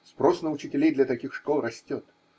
Спрос на учителей для таких школ растет.